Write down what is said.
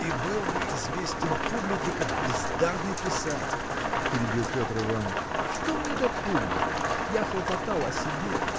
– И был бы известен публике как бездарный писатель – перебил Петр Иваныч. – Что мне до публики? Я хлопотал о себе